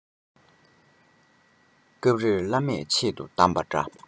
སྐབས རེར བླ མས ཆེད དུ གདམས པ འདྲ